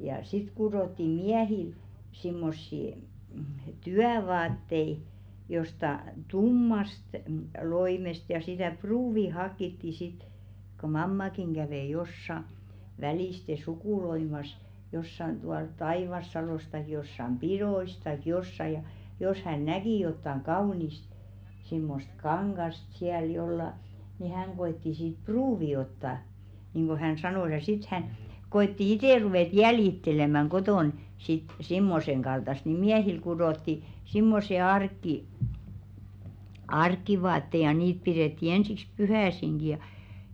ja sitten kudottiin miehille semmoisia työvaatteita jostakin tummasta loimesta ja sitä pruuvia haettiin sitten kun mammakin kävi jossakin välistä sukuloimassa jossakin tuolla Taivassalossa tai jossakin pidoissa tai jossakin ja jos hän näki jotakin kaunista semmoista kangasta siellä jollakin niin hän koetti siitä pruuvin ottaa niin kuin hän sanoi ja sitten hän koetti itse ruveta jäljittelemään kotona sitten semmoisen kaltaista niin miehille kudottiin semmoiset - arkivaatteet ja niitä pidettiin ensiksi pyhäisinkin ja